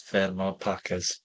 Fferm alpacas.